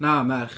Na merch.